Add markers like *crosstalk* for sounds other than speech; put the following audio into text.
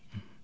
*hesitation* *hesitation*